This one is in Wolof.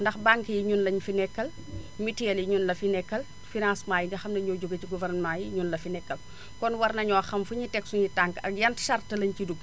ndax banques yi ñun lañu fi nekkal mutuelle yi ñun la fi nekkal financement yi nga ne ñoo jóge ci gouvernement yi ñun la fi nekkal kon war nañoo xam fu ñuy teg suñuy tànk ak yan chartes la ñu ciy duggee